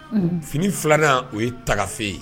Fini filanan o ye tagagafe ye